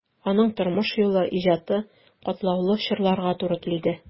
Аның тормыш юлы, иҗаты катлаулы чорларга туры килде.